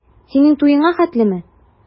Синең туеңа хәтлеме?